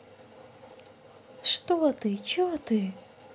что ты че ты